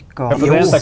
jo.